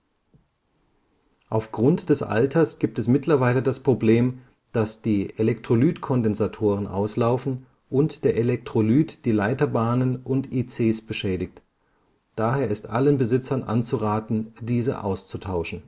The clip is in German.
Aufgrund des Alters gibt es mittlerweile das Problem, dass die Elektrolytkondensatoren auslaufen und der Elektrolyt die Leiterbahnen und ICs beschädigt. Daher ist allen Besitzern anzuraten, diese auszutauschen